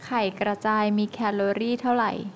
ไข่กระจายมีแคลอรี่เท่าไหร่